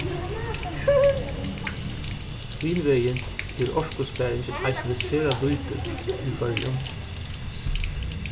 hinvegin er orkusparingin eisini sera lítil í føroyum